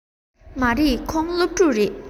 མ རེད ཁོང སློབ ཕྲུག རེད